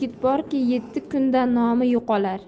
yigit borki yetti kunda nomi yo'qolar